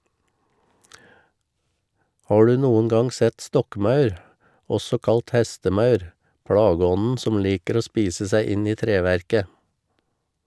Har du noen gang sett stokkmaur , også kalt hestemaur , plageånden som liker å spise seg inn i treverket?